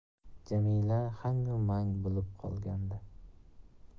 jamila hangu mang bo'lib qolgandi